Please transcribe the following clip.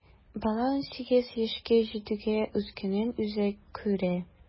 Бала унсигез яшькә җитүгә үз көнен үзе күрә.